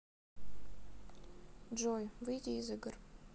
джой выйди из игр